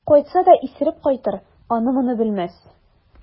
Кайтса да исереп кайтыр, аны-моны белмәс.